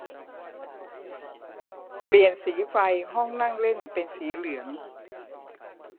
เปลี่ยนสีไฟห้องนั่งเล่นเป็นสีเหลือง